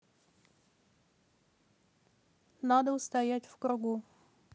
надо устоять в кругу